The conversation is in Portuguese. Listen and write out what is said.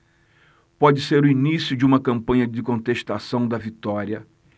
pode ser o início de uma campanha de contestação da vitória